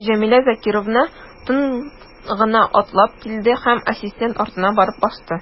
Җәмилә Закировна тын гына атлап килде һәм ассистент артына барып басты.